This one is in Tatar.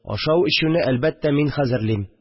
Ашау-эчүне, әлбәттә, мин хәзерлим